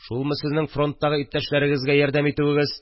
Шулмы сезнең фронттагы иптәшләрегезгә ярдәм итүегез